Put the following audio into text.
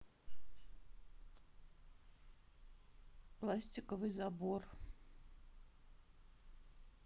пластиковый забор